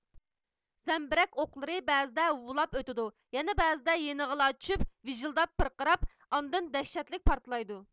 زەمبىرەك ئوقلىرى بەزىدە ھۇۋلاپ ئۆتىدۇ يەنە بەزىدە يېنىغىلا چۈشۈپ ۋىژىلداپ پىرقىراپ ئاندىن دەھشەتلىك پارتلايدۇ